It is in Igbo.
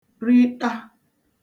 riṭa